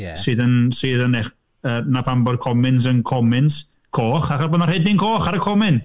Ie... Sydd yn sydd yn eich... yy 'na pam bo'r Comins yn Comins Coch, achos bo' 'na rhedyn coch ar y comin!